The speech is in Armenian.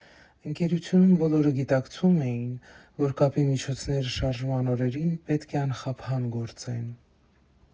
Ընկերությունում բոլորը գիտակցում էին, որ կապի միջոցները շարժման օրերին պետք է անխափան գործեն։